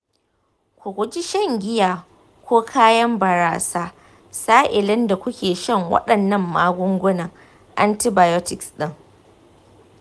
ku guji shan giya ko kayan barasa sa'ilin da kuke shan waɗannan magungunan antibiotics ɗin.